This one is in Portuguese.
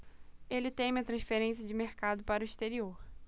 ele teme a transferência de mercado para o exterior